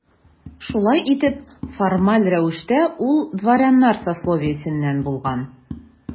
Шулай итеп, формаль рәвештә ул дворяннар сословиесеннән булган.